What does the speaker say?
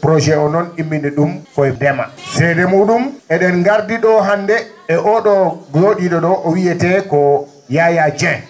projet o noon immini ?um koye ndema seede muu?um e?en ngardi ?oo hannde e oo ?oo joo?ii?o ?oo o wiyetee ko Yaya Dieng